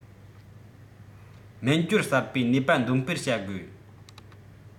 སྨྱན སྦྱོར གསར པའི ནུས པ འདོན སྤེལ བྱ དགོས